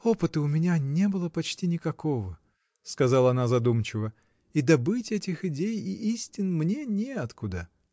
— Опыта у меня не было почти никакого, — сказала она задумчиво, — и добыть этих идей и истин мне неоткуда.